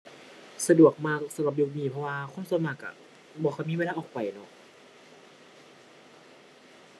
สะดวกมากสำหรับยุคนี้ เพราะว่าคนส่วนมากก็บ่ค่อยมีเวลาออกไปเนาะ